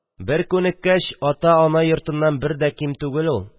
Бер күнеккәч, ата-ана йортыннан бер дә ким түгел ул...